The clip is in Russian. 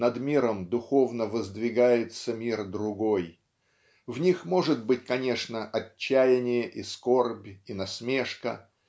над миром духовно воздвигается мир другой. В них может быть конечно отчаяние и скорбь и насмешка